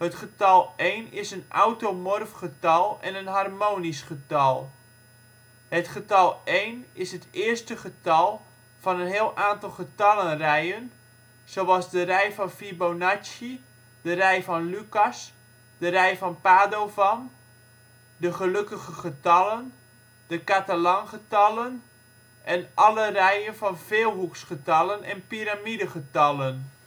getal 1 is een automorf getal en een harmonisch getal. Het getal 1 is het eerste getal van een heel aantal getallenrijen, zoals de rij van Fibonacci, de rij van Lucas, de rij van Padovan, de gelukkige getallen, de Catalan-getallen en alle rijen van veelhoeksgetallen en piramidegetallen